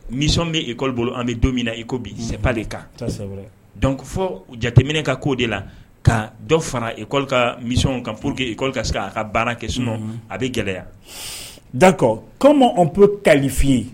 Mission min bɛ école bolo an bɛ don min na i ko bi c'est pas le cas donc fɔ jateminɛ ka k'o de la ka dɔ fara école ka mission kan pour que école ka se k' ka baara kɛ sinon a bɛ gɛlɛya d'accord comment on peut qualifier cela